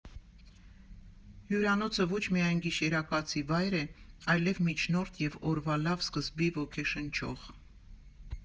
Հյուրանոցը ոչ միայն գիշերակացի վայր է, այլև միջնորդ և օրվա լավ սկզբի ոգեշնչող։